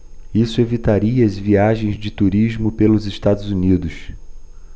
isso evitaria as viagens de turismo pelos estados unidos